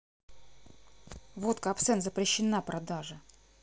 водка абсент запрещена продажа